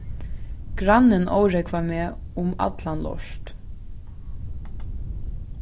grannin órógvar meg um allan lort